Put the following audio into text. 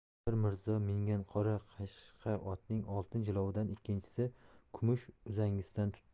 biri mirzo mingan qora qashqa otning oltin jilovidan ikkinchisi kumush uzangisidan tutdi